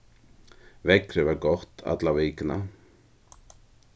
veðrið var gott alla vikuna